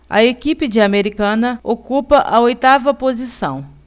a equipe de americana ocupa a oitava posição